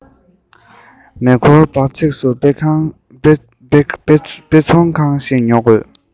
མེ འཁོར འབབ ཚིགས སུ དཔེ ཚོང ཁང ཞིག ཉོ དགོས